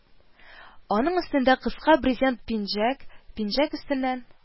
Аның өстендә кыска брезент пинжәк, пинжәк өстеннән